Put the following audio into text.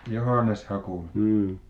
Johannes Hakulinen